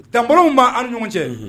Tankw b'a an ni ɲɔgɔn cɛ